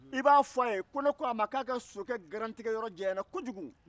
i b'a fɔ a ye ko ne ko a ma ko a ka sokɛ garantigɛyɔrɔ janyara kojugu